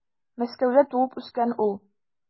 Мәскәүдә туып үскән ул.